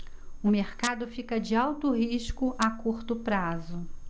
o mercado fica de alto risco a curto prazo